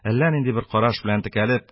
Әллә нинди бер караш белән, текәлеп,